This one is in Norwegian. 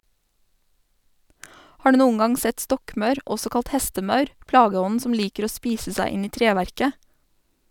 Har du noen gang sett stokkmaur, også kalt hestemaur , plageånden som liker å spise seg inn i treverket?